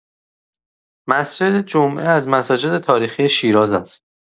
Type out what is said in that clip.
مسجد جمعه از مساجد تاریخی شیراز است.